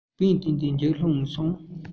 བར ཏན ཏན འཇིགས སློང སོང